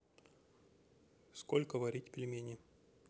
сколько варить пельмени